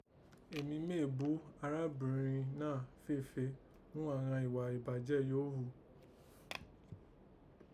Èmi méè bú arábìnriẹn náà féèfé ghún àghan ìghà ìbàjẹ́ yìí gho ghu